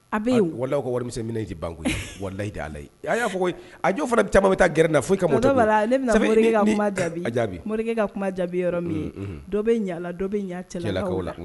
A bɛ ka wari banyi ala a'a fɔ a jɔ fana bɛ caman bɛ taa gɛrɛ na fo i ka ka jaabi morikɛ ka kuma jaabi yɔrɔ min ye dɔ bɛ ɲala dɔ bɛ la